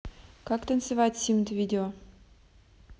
как танцевать симд видео